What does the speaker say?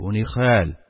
Бу ни хәл?